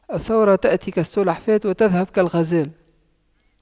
الثروة تأتي كالسلحفاة وتذهب كالغزال